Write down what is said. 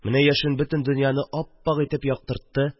Менә яшен бөтен дөньяны ап-ак итеп яктыртты